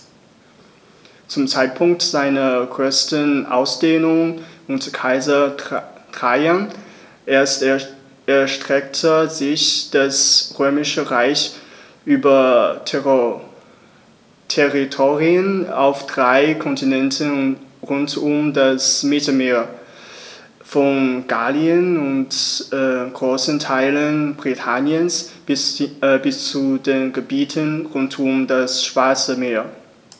Zum Zeitpunkt seiner größten Ausdehnung unter Kaiser Trajan erstreckte sich das Römische Reich über Territorien auf drei Kontinenten rund um das Mittelmeer: Von Gallien und großen Teilen Britanniens bis zu den Gebieten rund um das Schwarze Meer.